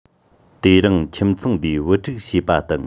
དེ རིང ཁྱིམ ཚང འདིའི བུ ཕྲུག བྱེད པ དང